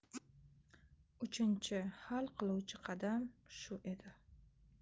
uchinchi hal qiluvchi qadam shu edi